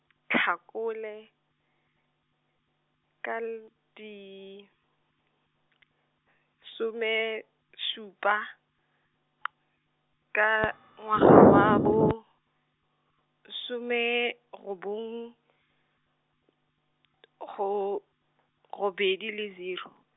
Tlhakole, ka l- di , some supa , ka ngwaga wa bo, some robong, ro-, robedi le zero.